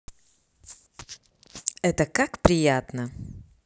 это как приятно